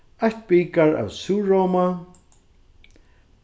eitt bikar av súrróma